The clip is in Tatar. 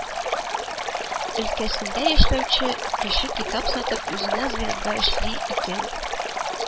Өлкәсендә эшләүче кеше китап сатып үзенә зыянга эшли икән,